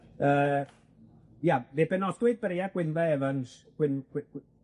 Yy, ia, fe benodwyd Breua Gwynfe Evans, Gwyn- Gwy' Gwy-